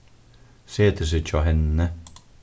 setir seg hjá henni